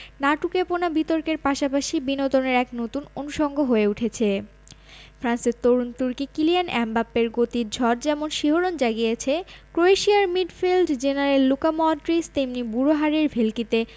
নাটুকেপনা বিতর্কের পাশাপাশি বিনোদনের এক নতুন অনুষঙ্গ হয়ে উঠেছে ফ্রান্সের তরুণ তুর্কি কিলিয়ান এমবাপ্পের গতির ঝড় যেমন শিহরণ জাগিয়েছে ক্রোয়েশিয়ার মিডফিল্ড জেনারেল লুকা মডরিচ তেমনি বুড়ো হাড়ের ভেলকিতে